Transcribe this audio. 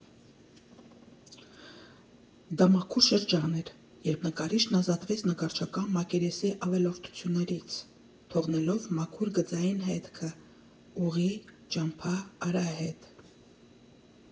Դա «մաքուր» շրջան էր, երբ նկարիչն ազատվեց նկարչական մակերեսի ավելորդություններից՝ թողնելով «մաքուր» գծային հետք, ուղի, ճամփա, արահետ։